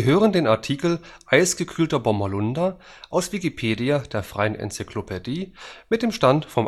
hören den Artikel Eisgekühlter Bommerlunder, aus Wikipedia, der freien Enzyklopädie. Mit dem Stand vom